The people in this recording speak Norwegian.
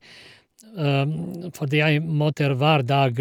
Fordi jeg møter hver dag...